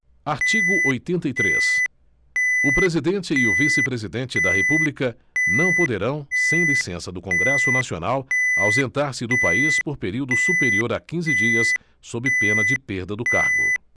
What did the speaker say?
artigo oitenta e três o presidente e o vice presidente da república não poderão sem licença do congresso nacional ausentar se do país por período superior a quinze dias sob pena de perda do cargo